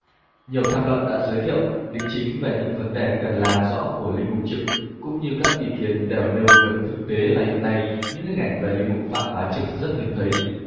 nhiều tham luận đã giới thiệu đính chính về những vấn đề cần làm rõ của linh mục trực cũng như các ý kiến đều nêu việc thực tế là hiện nay những hình ảnh về linh mục phạm bá trực rất hiếm thấy